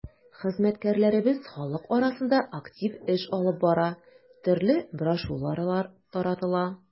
Хезмәткәрләребез халык арасында актив эш алып бара, төрле брошюралар таратыла.